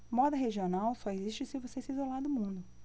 moda regional só existe se você se isolar do mundo